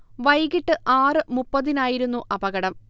വൈകിട്ട് ആറ് മുപ്പതിനായിരുന്നു അപകടം